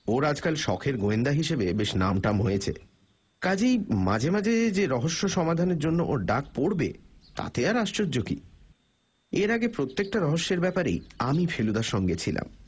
ওর আজকাল শখের গোয়েন্দা হিসাবে বেশ নামটাম হয়েছে কাজেই মাঝে মাঝে যে রহস্য সমাধানের জন্য ওর ডাক পড়বে তাতে আর আশ্চর্য কী এর আগে প্রত্যেকটা রহস্যের ব্যাপারেই আমি ফেলুদার সঙ্গে ছিলাম